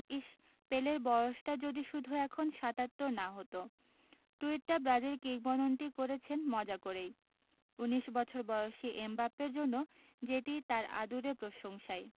ইশ্ পেলের বয়সটা যদি শুধু এখন ৭৭ না হতো টুইটটা ব্রাজিল কিংবদন্তি করেছেন মজা করেই ১৯ বছর বয়সী এমবাপ্পের জন্য যেটি তাঁর আদুরে প্রশংসাই